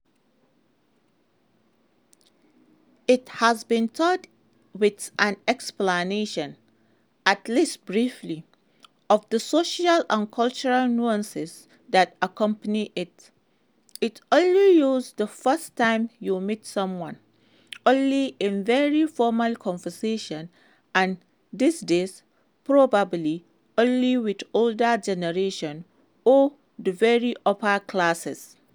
It has to be taught with an explanation, at least briefly, of the social and cultural nuances that accompany it: It’s only used the first time you meet someone, only in very formal conversations and, these days, probably only with older generations or the very upper classes.